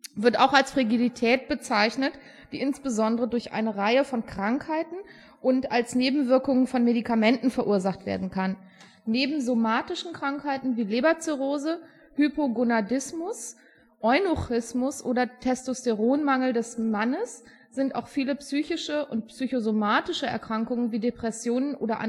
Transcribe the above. wird auch als Frigidität bezeichnet, die insbesondere durch eine Reihe von Krankheiten und als Nebenwirkungen von Medikamenten verursacht werden kann. Neben somatischen Krankheiten wie Leberzirrhose, Hypogonadismus, Eunuchismus oder Testosteronmangel des Mannes sind auch viele psychische und psychosomatische Erkrankungen wie Depressionen oder